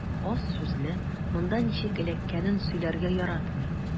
Аз сүзле, монда ничек эләккәнен сөйләргә яратмый.